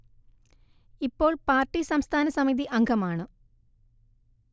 ഇപ്പോൾ പാർട്ടി സംസ്ഥാന സമിതി അംഗമാണ്